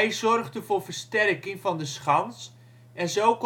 zorgde voor versterking van de schans en zo